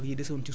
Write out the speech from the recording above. dëgg la